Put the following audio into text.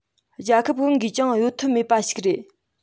རྒྱལ ཁབ གང གིས ཀྱང གཡོལ ཐབས མེད པ ཞིག རེད